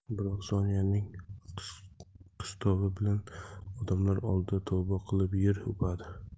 biroq sonyaning qistovi bilan odamlar oldida tavba qilib yer o'padi